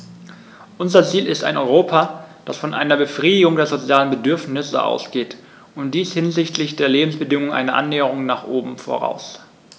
Unser Ziel ist ein Europa, das von einer Befriedigung der sozialen Bedürfnisse ausgeht, und dies setzt hinsichtlich der Lebensbedingungen eine Annäherung nach oben voraus.